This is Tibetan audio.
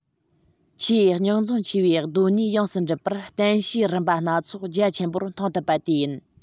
ཆེས རྙོག འཛིང ཆེ བའི གདོད ནུས ཡོངས སུ འགྲུབ པར བརྟེན བྱའི རིམ པ སྣ ཚོགས རྒྱ ཆེན པོར མཐོང ཐུབ པ དེ ཡིན